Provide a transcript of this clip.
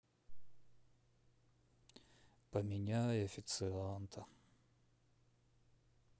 поменяй официанта